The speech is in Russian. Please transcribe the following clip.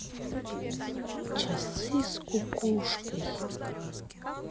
часы с кукушкой